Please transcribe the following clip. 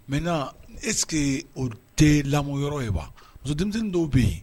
Mɛ n na ese o tɛ lamɔ yɔrɔ ye wa muso denmisɛnnin dɔw bɛ yen